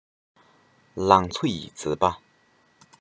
ལང ཚོ ཡི མཛེས པ